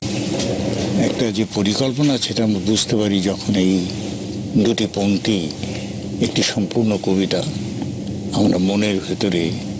একটা যে পরিকল্পনা আছে সেটা আমরা বুঝতে পারি যখন ই দুটি পংক্তি একটি সম্পূর্ণ কবিতা আমরা মনের ভিতরে